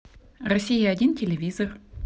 россия один телевизор